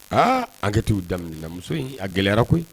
Aa anquete u daminɛna muso in a gɛlɛyara koyi